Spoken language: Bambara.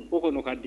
O ko kɔnni o kadi.